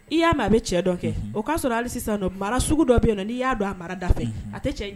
I y'a a bɛ cɛ dɔ kɛ o'a sɔrɔ hali sisan mara sugu dɔ bɛ n'i y'a a mara tɛ